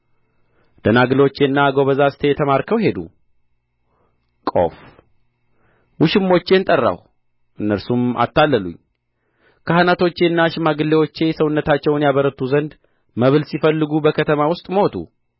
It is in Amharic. ደናግሎቼና ጐበዛዝቴ ተማርከው ሄዱ ቆፍ ውሽሞቼን ጠራሁ እነርሱም አታለሉኝ ካህናቶቼና ሽማግሌዎቼ ሰውነታቸውን ያበረቱ ዘንድ መብል ሲፈልጉ በከተማ ውስጥ ሞቱ